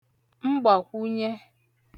mgbàkwụnyẹ